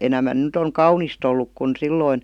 enemmän nyt on kaunista ollut kuin silloin